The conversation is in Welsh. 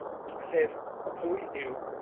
Sef pwy yw